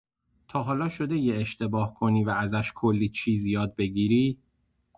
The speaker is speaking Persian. تا حالا شده یه اشتباه کنی و ازش کلی چیز یاد بگیری؟